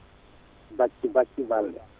Bassi Bassi Baldé